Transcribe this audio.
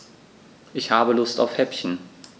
Ich habe Lust auf Häppchen.